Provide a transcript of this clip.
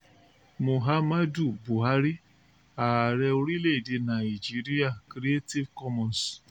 Muhammad Buhari, Ààrẹ orílẹ̀-èdè Nàìjíríà. Creative Commons.